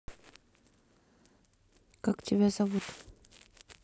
как тебя зовут